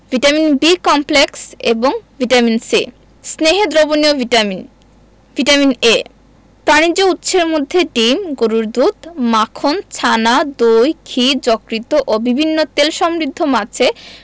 vitamin B complex এবং vitamin C স্নেহে দ্রবণীয় ভিটামিন ভিটামিন A প্রাণিজ উৎসের মধ্যে ডিম গরুর দুধ মাখন ছানা দই ঘি যকৃৎ ও বিভিন্ন তেলসমৃদ্ধ মাছে